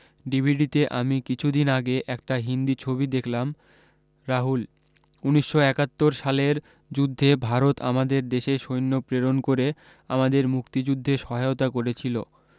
ডিভিডিতে আমি কিছু দিন আগে একটা হিন্দী ছবি দেখলাম রাহুল উনিশশ একাত্তর সালের যুদ্ধে ভারত আমাদের দেশে সৈন্য প্রেরন করে আমাদের মুক্তিযুদ্ধে সহায়তা করে ছিলো